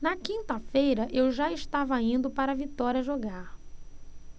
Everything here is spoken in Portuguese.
na quinta-feira eu já estava indo para vitória jogar